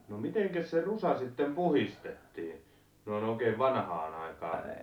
no mitenkäs se rusa sitten puhdistettiin noin oikein vanhaan aikaan